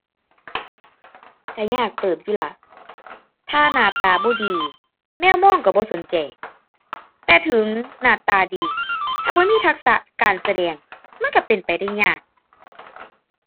ก็ยากเติบอยู่ล่ะ ถ้าหน้าตาบ่ดีแมวมองก็บ่สนใจ แต่ถึงหน้าตาดี ถ้าบ่มีทักษะการแสดงมันก็เป็นไปได้ยาก